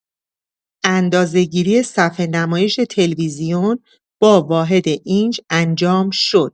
اندازه‌گیری صفحه‌نمایش تلویزیون با واحد اینچ انجام شد.